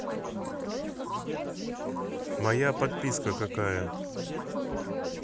моя подписка какая